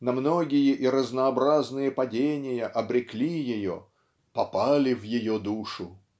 на многие и разнообразные падения обрекли ее "попали в ее душу".